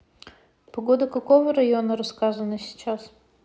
погода какого района рассказана сейчас